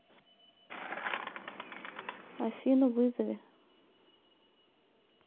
афину вызови